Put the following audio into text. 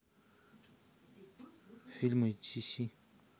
фильмы диси